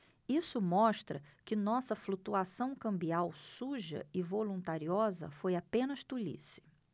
isso mostra que nossa flutuação cambial suja e voluntariosa foi apenas tolice